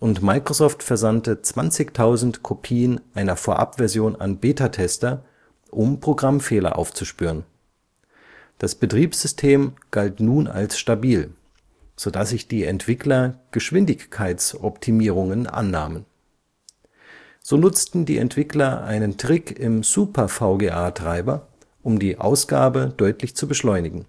und Microsoft versandte 20.000 Kopien einer Vorabversion an Betatester, um Programmfehler aufzuspüren. Das Betriebssystem galt nun als stabil, sodass sich die Entwickler Geschwindigkeitsoptimierungen annahmen. So nutzten die Entwickler einen Trick im Super-VGA-Treiber, um die Ausgabe deutlich zu beschleunigen